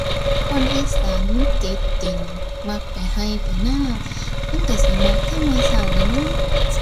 คนอีสานมันติดดิน มักไปไร่ไปนา มันไร่สิมักธรรมชาติล่ะเนาะ